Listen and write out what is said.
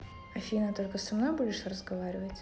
афина только со мной будешь разговаривать